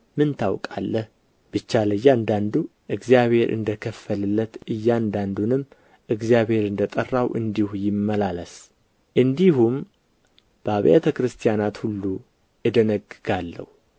ምን ታውቃለህ ብቻ ለእያንዳንዱ እግዚአብሔር እንደ ከፈለለት እያንዳንዱም እግዚአብሔር እንደ ጠራው እንዲሁ ይመላለስ እንዲሁም በአብያተ ክርስቲያናት ሁሉ እደነግጋለሁ